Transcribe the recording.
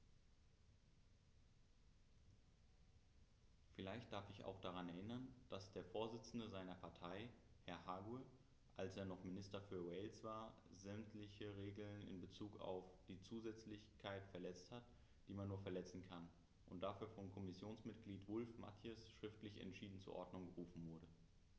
Vielleicht darf ich ihn auch daran erinnern, dass der Vorsitzende seiner Partei, Herr Hague, als er noch Minister für Wales war, sämtliche Regeln in bezug auf die Zusätzlichkeit verletzt hat, die man nur verletzen kann, und dafür von Kommissionsmitglied Wulf-Mathies schriftlich entschieden zur Ordnung gerufen wurde.